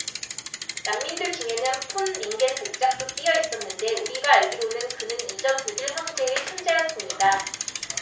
난민들 중에는 폰 링겐 백작도 끼여 있었는데 우리가 알기로는 그는 이전 독일 황제의 손자였습니다